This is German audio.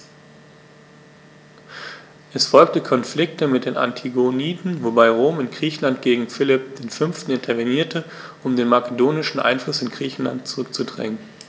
Es folgten Konflikte mit den Antigoniden, wobei Rom in Griechenland gegen Philipp V. intervenierte, um den makedonischen Einfluss in Griechenland zurückzudrängen.